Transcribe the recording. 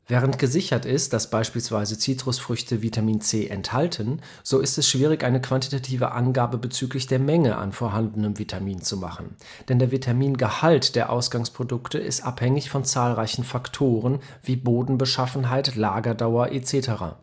Während gesichert ist, dass beispielsweise Zitrusfrüchte Vitamin C enthalten, so ist es schwierig, eine quantitative Angabe bezüglich der Menge an vorhandenem Vitamin zu machen. Denn der Vitamingehalt der Ausgangsprodukte ist abhängig von zahlreichen Faktoren wie Bodenbeschaffenheit, Lagerdauer etc.